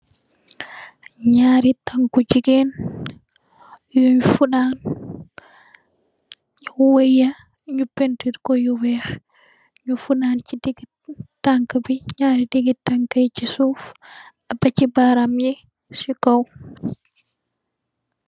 Naari tanku jigeen yun fudan weey ya nyu painturr ko yu weex nyu fudan si digi tanka bi naari digi tankai si suuf ak busi barami si kaw.